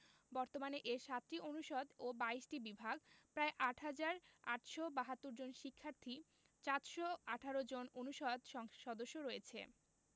বর্তমানে এর ৭টি অনুষদ ও ২২টি বিভাগ প্রায় ৮ হাজার ৮৭২ জন শিক্ষার্থী ৪১৮ জন অনুষদ সদস্য রয়েছে